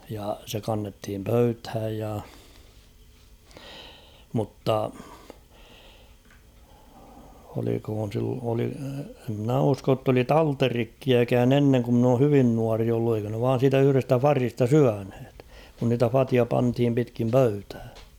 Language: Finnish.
ja se kannettiin pöytään ja mutta olikohan -- en minä usko että oli talterikkiäkään ennen kun minä olen hyvin nuori ollut eikö ne vain siitä yhdestä vadista syöneet kun niitä vateja pantiin pitkin pöytää